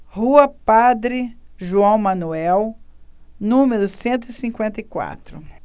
rua padre joão manuel número cento e cinquenta e quatro